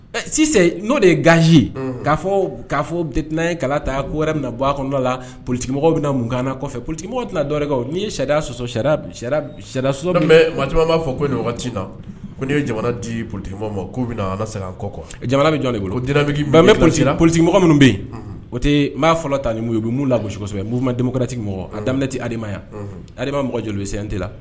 Sisanse n'o de ye gaji k'a fɔ ka fɔ tɛt ye' ta ko wɛrɛ bɛna na bɔ a kɔnɔ la polikimɔgɔ bɛna na munkanana kɔfɛ polikimɔgɔ tɛna dɔwɛrɛ n'i ye sariya sɔsɔ sɔ'a fɔ na ko n' ye jamana di polikifɔ ma' kɔkɔ jamana bɛ jɔn de bolo dfin poli polikimɔgɔ minnu bɛ yen o tɛ maa fɔlɔ tan n'u la gosikɔsɔ' ma denrati mɔgɔ a daminɛ tɛ adamalimayalima mɔgɔ joli bɛ se tɛ la